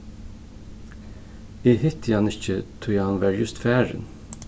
eg hitti hann ikki tí hann var júst farin